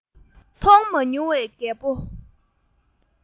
མཐོང མ མྱོང བའི རྒད པོ